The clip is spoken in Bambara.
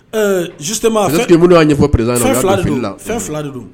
Don a ɲɛfɔ pere p